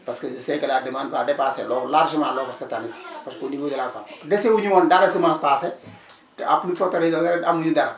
parce que je sais que la demande va dépasser alors largement l' offre cette année ci parce que au nivaau de la vente dese wu ñu woon dara semence passée te en plus forte raison nawet bi amuñu dara